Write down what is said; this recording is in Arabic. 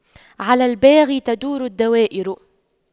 على الباغي تدور الدوائر